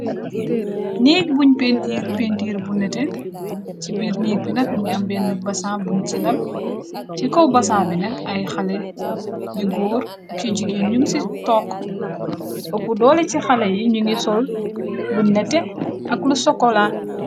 néig buñ pntiir péntiir bu nete ci biir néig bi nag mungi ambénn basan buñ ci lam ci kow basan bi nag ay xale yu góor ak yu jigéen ñu ci tokk ëpp doole ci xale yi ñu ngi sol bu nete ak lu sokolaal